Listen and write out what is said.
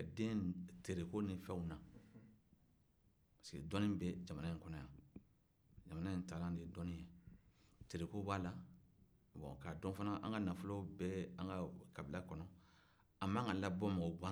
tere ko b'a la ka dɔn fana an ka nafolo bɛ an ka kabila kɔnɔ a ma kan ka labɔ mɔgɔgansan wɛrɛ fɛ